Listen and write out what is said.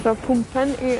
fel pwmpen i